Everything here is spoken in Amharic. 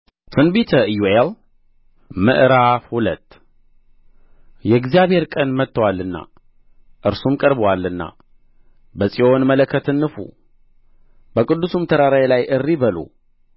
ትንቢተ ኢዮኤል ምዕራፍ ሁለት የእግዚአብሔር ቀን መጥቶአልና እርሱም ቀርቦአልና በጽዮን መለከትን ንፉ በቅዱሱም ተራራዬ ላይ እሪ በሉ